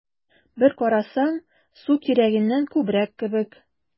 Бер карасаң, су кирәгеннән күбрәк кебек: